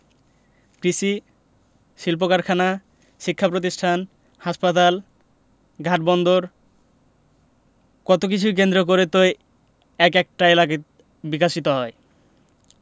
কৃষি শিল্পকারখানা শিক্ষাপ্রতিষ্ঠান হাসপাতাল ঘাট বন্দর কত কিছু কেন্দ্র করেই তো এক একটা এলাকা বিকশিত হয়